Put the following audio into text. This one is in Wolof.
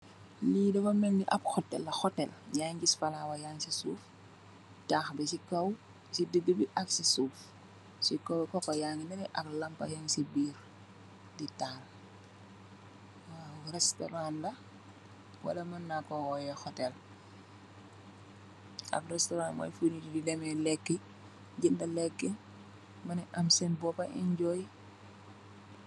Li dafa melni ap hotel la hotel yagi giss folowa yang si suuf tah bi si kaw si degi bi ak si suut si kaw coco yagi nele ak lampa si birr di taal ar restaurant la wala mann mako oyeh hotel ap restaurant moi fo nitt yi di demeh leka jenda leka mana emm sen mbuba enjoy.